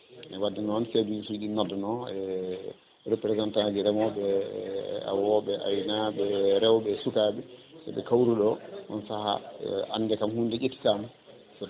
wadde noon kadi siɗum nodda no e représentant ji remoɓe e awoɓe e aynaɓe e rewɓe e sukaɓe sooɓe kawri ɗo on saaha ande kam hundede ƴettitama